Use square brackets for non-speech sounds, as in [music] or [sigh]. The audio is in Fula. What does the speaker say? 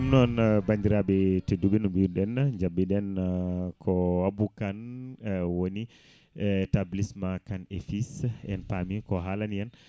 [music]